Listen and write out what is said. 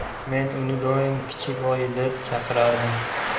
men uni doim kichik oyi deb chaqirardim